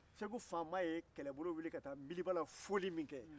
segu faama ye kɛlɛbolo wili ka ta n'bilibala foli min kɛ